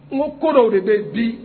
N ko ko dɔw de bɛ yen bi